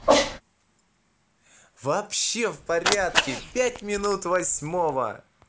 вообще в порядке пять минут восьмого